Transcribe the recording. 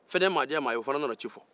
fɛnyemaadiyamaye o fana nana ci fɔ